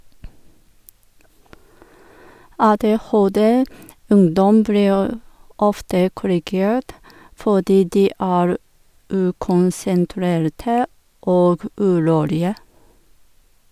- ADHD- ungdom blir ofte korrigert fordi de er ukonsentrerte og urolige.